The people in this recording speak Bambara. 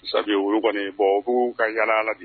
Saki wu kɔni bɔ' ka yaa la bi